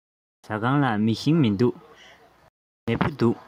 མེ ཤིང མི འདུག མེ ཕུ འདུག